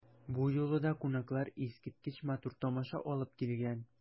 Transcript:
Бу юлы да кунаклар искиткеч матур тамаша алып килгән.